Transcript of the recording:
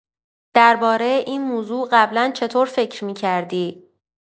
درباره این موضوع قبلا چه‌طور فکر می‌کردی؟